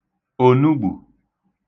ònugbù